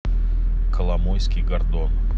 коломойский гордон